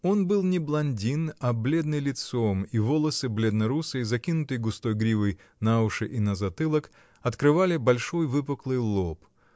Он был не блондин, а бледный лицом, и волосы, бледно-русые, закинутые густой гривой на уши и на затылок, открывали большой выпуклый лоб.